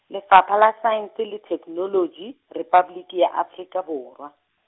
Lefapha la Saense le Theknoloji Rephapoliki ya Afrika Borwa.